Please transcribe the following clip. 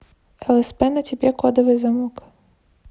лсп на тебе кодовый замок